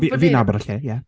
Fi fi'n nabod y lle ie.